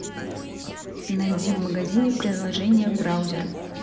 найди в магазине приложений браузер